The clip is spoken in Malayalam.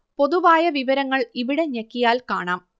പൊതുവായ വിവരങ്ങൾ ഇവിടെ ഞെക്കിയാൽ കാണാം